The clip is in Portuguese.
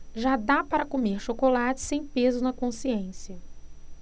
já dá para comer chocolate sem peso na consciência